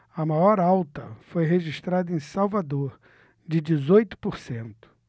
a maior alta foi registrada em salvador de dezoito por cento